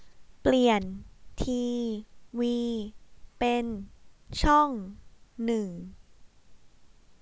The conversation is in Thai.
เปลี่ยนทีวีเป็นช่องหนึ่ง